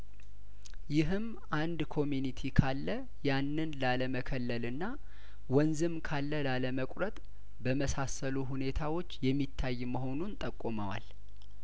ይህም አንድ ኮሚኒቲ ካለ ያንን ላለመከለልና ወንዝም ካለ ላለመቁረጥ በመሳሰሉ ሁኔታዎች የሚታይ መሆኑን ጠቁመዋል